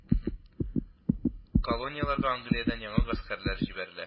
Колонияләргә Англиядән яңа гаскәрләр җибәрелә